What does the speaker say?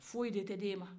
foyi de tɛ di e ma